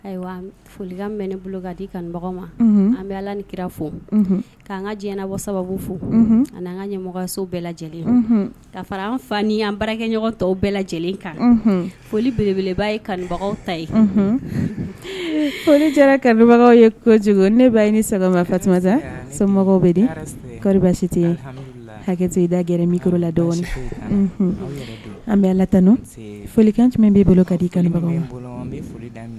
Ayiwa foli bɛ bolo an bɛ ala ni kira fo'an ka diɲɛbɔ sababu fo ani'an ka ɲɛmɔgɔso bɛɛ lajɛlen ka fara an fa ni'an barakɛ ɲɔgɔn tɔw bɛɛ lajɛlen kan foli belebeleba ye kanubagaw ta ye foli jɛra kanubagaw ye kojugu ne ba ni sa somɔgɔw bɛ kariɔri tɛ hakɛ da gɛrɛ la an bɛ lat folikɛ tun bɛ bolo ka di kanubagaw bolo